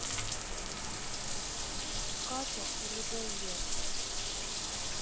катя и людоед